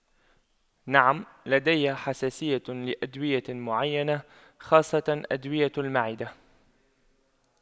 نعم لدي حساسية لأدوية معينة خاصة أدوية المعدة